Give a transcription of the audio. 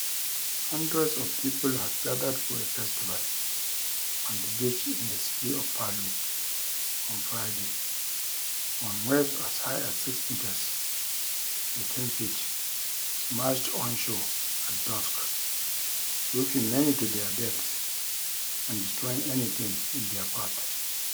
Hundreds of people had gathered for a festival on the beach in the city of Palu on Friday when waves as high as six meters (18 feet) smashed onshore at dusk, sweeping many to their deaths and destroying anything in their path.